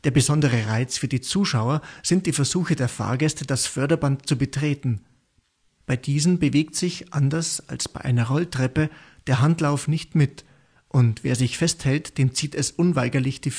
besondere Reiz für die Zuschauer sind die Versuche der Fahrgäste, das Förderband zu betreten. Bei diesem bewegt sich, anders als bei einer Rolltreppe, der Handlauf nicht mit und wer sich festhält, dem zieht es unweigerlich die